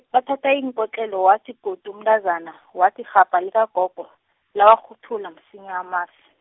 bathatha iinkotlelo wathi godu umntazana, wathi irhabha likagogo, lawakghuthula msinya amasi.